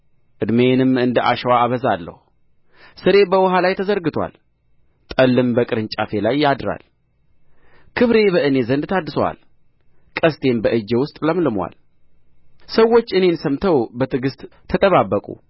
ዕድሜዬንም እንደ አሸዋ አበዛለሁ ሥሬ በውኃ ላይ ተዘርግቶአል ጠልም በቅርንጫፌ ላይ ያድራል ክብሬ በእኔ ዘንድ ታድሶአል ቀስቴም በእጄ ውስጥ ለምልሞአል ሰዎች እኔን ሰምተው በትዕግሥት ተጠባበቁ